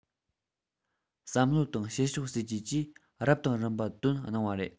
བསམ བློ དང བྱེད ཕྱོགས སྲིད ཇུས བཅས རབ དང རིམ པ བཏོན གནང བ རེད